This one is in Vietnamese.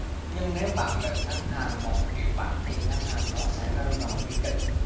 nhưng nếu bạn nợ ngân hàng một triệu bảng thì ngân hàng đó sẽ rơi vào bi kịch